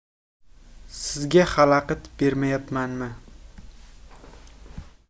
sizga xalaqit bermayapmanmi